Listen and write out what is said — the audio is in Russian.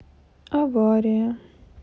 авария